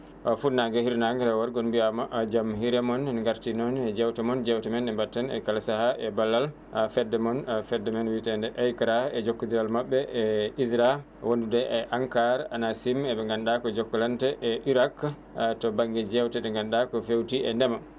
funnage e hirnange rewo e worgo on mbiyama jaam hirre moon en garti noon e jewte moon jewte men ɗe mbatten kala saaha e ballal fedde moon fedde men wiite nde AICRA e jokkodiral maɓɓe e ISRA wonndude e ANCARE ANACIM eɓe gannduɗa Jokalante e IRAK to banŋnge jewte ɗe gannduɗa ko fewti e ndeema